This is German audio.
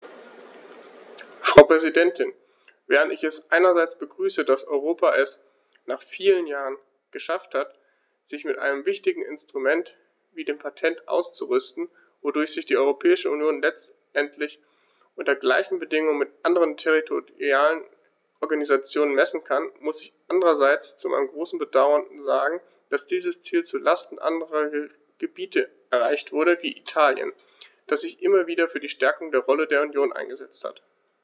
Frau Präsidentin, während ich es einerseits begrüße, dass Europa es - nach vielen Jahren - geschafft hat, sich mit einem wichtigen Instrument wie dem Patent auszurüsten, wodurch sich die Europäische Union letztendlich unter gleichen Bedingungen mit anderen territorialen Organisationen messen kann, muss ich andererseits zu meinem großen Bedauern sagen, dass dieses Ziel zu Lasten anderer Gebiete erreicht wurde, wie Italien, das sich immer wieder für die Stärkung der Rolle der Union eingesetzt hat.